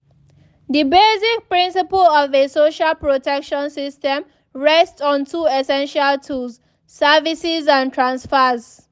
The basic principle of a social protection system rests on two essential tools: services and transfers.